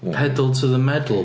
Pedal to the medal.